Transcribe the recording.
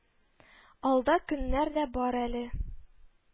Алда көннәр дә бар әле